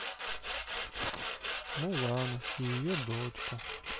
мулана и ее дочка